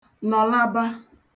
nọ̀laba